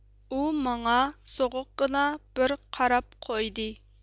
ئۇ ماڭا سوغۇققىنا بىر قاراپ قويدى